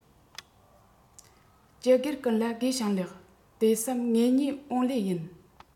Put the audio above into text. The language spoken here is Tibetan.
སྤྱི སྒེར ཀུན ལ དགེ ཞིང ལེགས དེ བསམ ངེད གཉིས ཡོང ལེ ཡིན